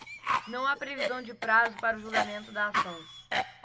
não há previsão de prazo para o julgamento da ação